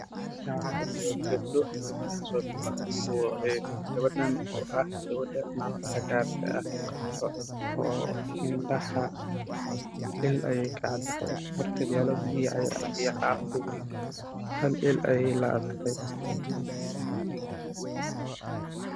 Meeshan waa hool waxaan isugu imaadey gabdho waxa ay ku fadhiyaan ku ras guruub ah xijaab ayay wataan